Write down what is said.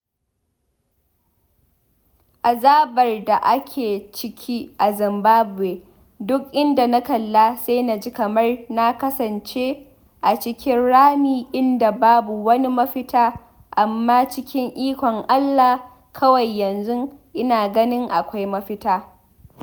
Azabar da ake ciki a Zimbabwe, duk inda na kalla sai naji kaman na kasance a cikin rami inda babu wani mafita amma cikin ikon Allah kawai yanzu ina ganin akwai mafita.